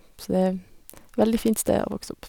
Så det er veldig fint sted å vokse opp.